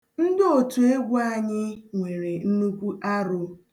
Ndi otu egwu anyị nwere nnukwu aro.